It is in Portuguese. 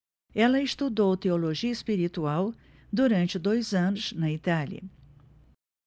ela estudou teologia espiritual durante dois anos na itália